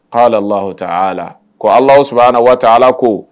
qaala allahu taala ko alaahu subahaana wa taala ko